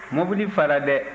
mɔbili fara dɛ